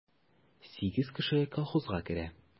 Сигез кеше колхозга керә.